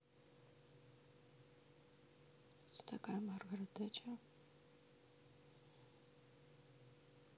кто такая маргарет тетчер